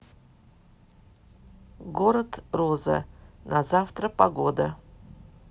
город роза на завтра погода